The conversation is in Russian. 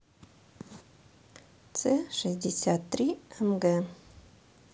цэ шестьдесят три эм гэ